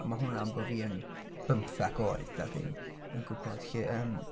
A ma' hwnna am bo' fi yn bymtheg oed a ddim yn gwybod 'lly ymm